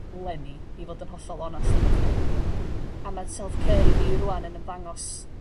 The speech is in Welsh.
leni i fod yn hollol onast efo chdi. Waw ia. A ma' self care i fi rŵan yn ymddangos